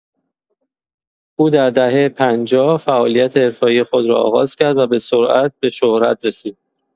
او در دهه پنجاه فعالیت حرفه‌ای خود را آغاز کرد و به‌سرعت به شهرت رسید.